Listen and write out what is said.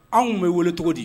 Anw bɛ wele cogo di